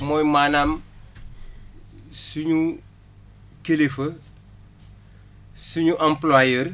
mooy maanaam suñu kilifa suñu employeur